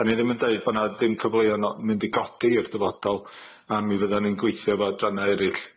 'Dan ni ddim yn deud bo' 'na dim cyfleon o- mynd i godi i'r dyfodol, a mi fyddan ni'n gweithio efo adranna' erill.